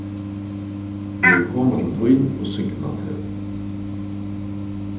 eg vil koma til tín og signa teg